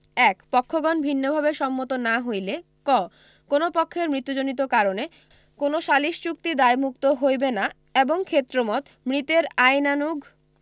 ১ পক্ষগণ ভিন্নভাবে সম্মত না হইলে ক কোন পক্ষের মৃত্যুজনিত কারণে কোন সালিস চুক্তি দায়মুক্ত হইবে না এবং ক্ষেত্রমত মৃতের আইনানুগ